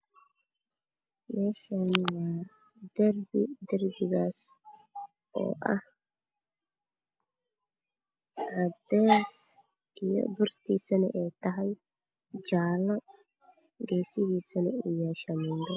Meeshaani waa darbi oo ah cadays burtiisana jaalo geesihiisana uu yahay shamiito